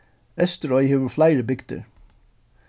eysturoy hevur fleiri bygdir